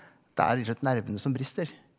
det er rett og slett nervene som brister.